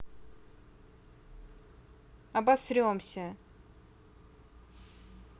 обосремся